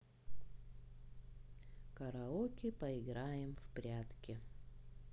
караоке поиграем в прятки